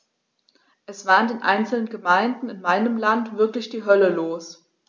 Es war in einzelnen Gemeinden in meinem Land wirklich die Hölle los.